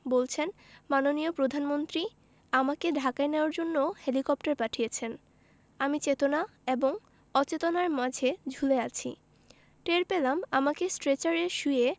বলছেন মাননীয় প্রধানমন্ত্রী আমাকে ঢাকায় নেওয়ার জন্য হেলিকপ্টার পাঠিয়েছেন আমি চেতনা এবং অচেতনার মাঝে ঝুলে আছি টের পেলাম আমাকে স্ট্রেচারে শুইয়ে